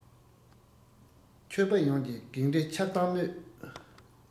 ཆོས པ ཡོངས ཀྱི བགེགས འདྲེ ཆགས སྡང གནོད